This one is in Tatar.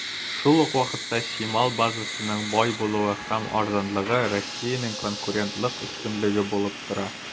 Шул ук вакытта, чимал базасының бай булуы һәм арзанлыгы Россиянең конкурентлык өстенлеге булып тора.